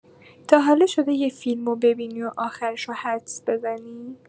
تا حالا شده یه فیلمو ببینی و آخرشو حدس بزنی؟